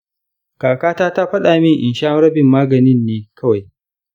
kaka ta ta faɗa min in sha rabin maganin ne kawai.